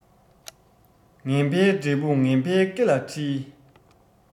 ངན པའི འབྲས བུ ངན པའི སྐེ ལ འཁྲིལ